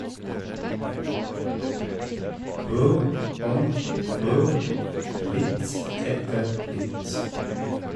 PØ OM PØ - litt etter litt.